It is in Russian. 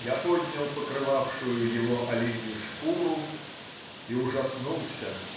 Я поднял покрывавшую его оленью шкуру и ужаснулся